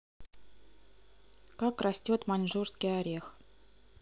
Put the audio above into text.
как растет маньчжурский орех